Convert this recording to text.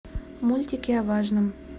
мультики о важном